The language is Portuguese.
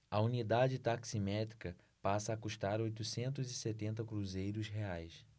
a unidade taximétrica passa a custar oitocentos e setenta cruzeiros reais